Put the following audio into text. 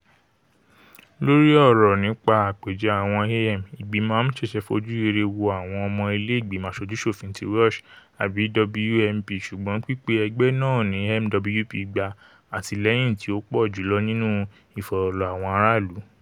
Lórí ọrọ nipa àpèjẹ́ àwọn AM, Ìgbìmọ Amúṣẹ́ṣe fojú rere wo àwọn Ọmọ Ilé Ìgbímọ̀ Aṣojú-ṣòfin ti Welsh àbí WMP, ṣùgbọ́n pipe ẹgbẹ na ní MWP gba àtìlẹ́yìn tí ó pọ́ jùlọ nínú ìfọ̀rọ̀lọ àwọn ará ìlú.